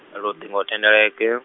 a luṱingo thendeleki.